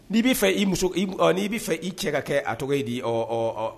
N'i b'a fɛ i muso ni bɛ fɛ i cɛ ka kɛ a tɔgɔ ye di